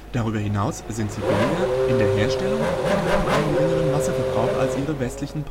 Darüber hinaus sind sie billiger in der Herstellung und haben einen geringeren Wasserverbrauch als ihre westlichen